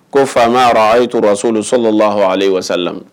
Ko faama ara a' toraso don so lah ale wali la